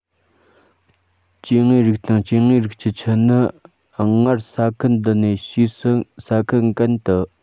སྐྱེ དངོས རིགས དང སྐྱེ དངོས རིགས ཀྱི ཁྱུ ནི སྔར ས ཁུལ འདི ནས ཕྱིས སུ ས ཁུལ གན དུ